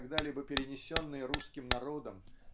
когда-либо перенесенные русским народом